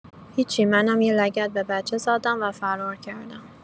هیچی منم یه لگد به بچه زدم و فرار کردم!